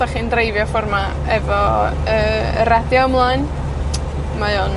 'dach chi'n dreifio ffor 'ma efo yy y radio ymlaen, mae o'n